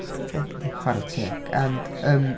Chwarae teg, yndi... Chwarae teg ond yym...